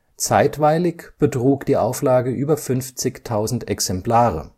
Zeitweilig betrug die Auflage über 50.000 Exemplare